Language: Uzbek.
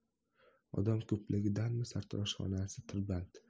odam ko'pligidanmi sartaroshxonasi tirband